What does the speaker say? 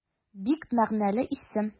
Бик мәгънәле исем.